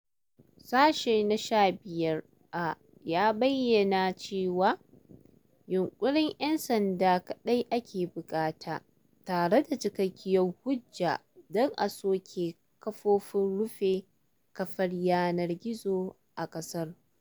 Sashe na 15a ya bayyana cewa "yunƙurin" 'yan sanda kaɗai ake buƙata tare da "cikakkiyar hujja" don a soke ƙoƙarin rufe kafar yanar gizo a ƙasar.